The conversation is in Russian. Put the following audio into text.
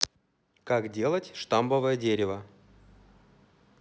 как делать штамбовое дерево